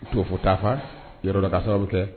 Toofo taafa yɔrɔdɔ la k'a sababu kɛ